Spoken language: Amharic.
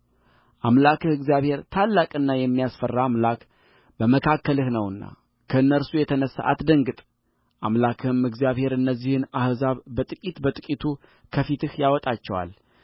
አምላክህ እግዚአብሔር ታላቅና የሚያስፈራ አምላክ በመካከልህ ነውና ከእነርሱ የተነሣ አትደንግጥአምላክህም እግዚአብሔር እነዚህን አሕዛብ በጥቂት በጥቂቱ ከፊትህ ያወጣቸዋል